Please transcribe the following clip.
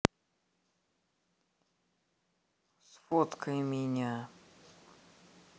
сфоткай меня